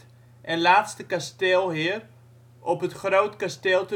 en laatste kasteelheer op het Groot Kasteel